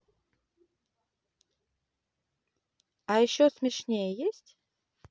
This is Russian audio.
а еще смешнее есть